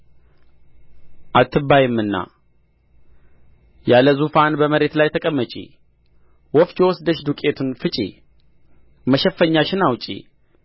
አትባይምና ያለ ዙፋን በመሬት ላይ ተቀመጪ ወፍጮ ወስደሽ ዱቄትን ፍጪ መሸፈኛሽን አውጪ